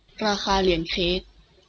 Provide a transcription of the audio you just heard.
ราคาเหรียญเค้ก